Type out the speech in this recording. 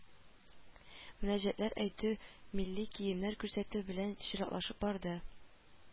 Мөнәҗәтләр әйтү милли киемнәр күрсәтү белән чиратлашып барды